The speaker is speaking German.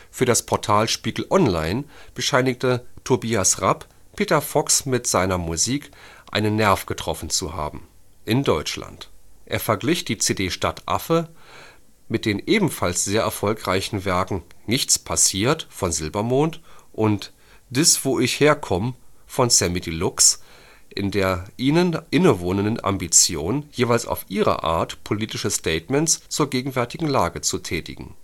Für das Portal Spiegel Online bescheinigte Tobias Rapp Peter Fox mit seiner Musik „ einen Nerv getroffen [zu] haben “in Deutschland. Er verglich die CD Stadtaffe mit den ebenfalls sehr erfolgreichen Werken Nichts passiert von Silbermond und Dis wo ich herkomm von Samy Deluxe in der ihnen innewohnenden Ambition, jeweils „ auf ihre Art politische Statements zur gegenwärtigen Lage “zu tätigen